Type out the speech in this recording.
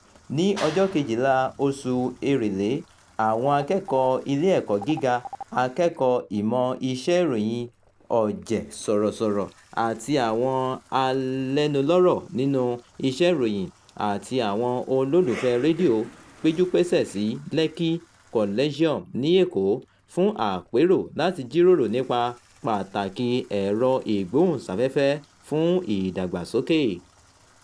Ní ọjọ́ 12 oṣù Èrèlé, àwọn akẹ́kọ̀ọ́ ilé ẹ̀kọ́ gíga, akẹ́kọ̀ọ́ ìmọ̀ iṣẹ́ ìròyìn, ọ̀jẹ̀ sọ̀rọ̀sọ̀rọ̀ àti àwọn alẹ́nulọ́rọ̀ nínú iṣẹ́ ìròyìn àti àwọn olólùfẹ́ẹ̀ rédíò péjúpésẹ̀ sí Lekki Coliseum ní Èkó fún àpérò láti jíròrò nípa pàtàkìi ẹ̀rọ-ìgbóhùnsáfẹ́fẹ́ fún ìdàgbàsókè.